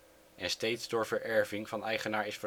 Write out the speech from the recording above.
door vererving van eigenaar is veranderd